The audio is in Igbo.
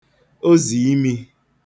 ozìimī